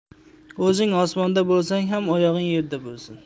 o'zing osmonda bo'lsang ham oyog'ing yerda bo'lsin